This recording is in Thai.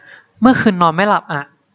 เมื่อคืนนอนไม่หลับอะ